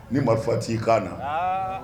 Min marifa fati' kan na